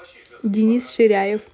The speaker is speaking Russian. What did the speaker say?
денис ширяев